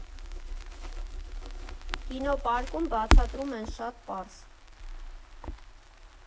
ԿինոՊարկում բացատրում են շատ պարզ.